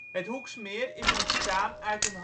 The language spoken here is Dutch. Het Hoeksmeer is ontstaan uit een